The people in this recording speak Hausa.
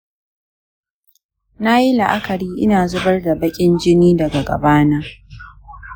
nayi la'akari ina zubar da bakin jini daga gabana